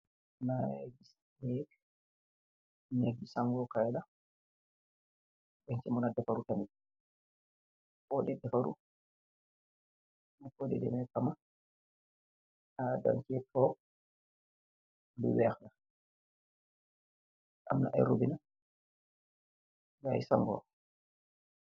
Li neek gi sangoo kai la ak dafuru kai amna aye rubinah yuy sangoo